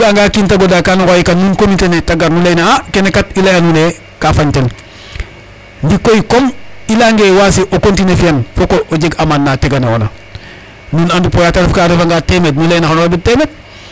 Nuun comité ne ta gar nu layin ee a kene kat i laya nuune ka fañtel ndikoy comme i layang ee waasi o continuer fi'an fook o jeg amende na tegane'oona nuun andu po yaa ta refka.A refanga teemeed nu layin ee xan o rabid teemeed.